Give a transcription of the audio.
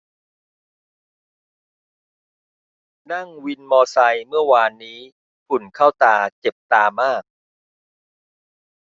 นั่งวินมอไซต์เมื่อวานนี้ฝุ่นเข้าตาเจ็บตามาก